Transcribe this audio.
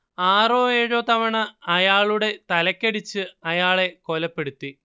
ആറോ ഏഴോ തവണ അയാളുടെ തലക്കടിച്ചു അയാളെ കൊലപ്പെടുത്തി